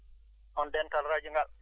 hono dental radio ngal